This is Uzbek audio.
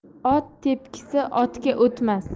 ot tepkisi otga o'tmas